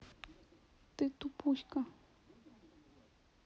ты тупуська